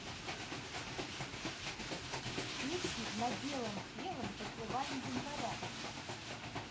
песня на белом белом покрывале января